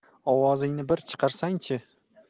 ovozingni bir chiqarsang chi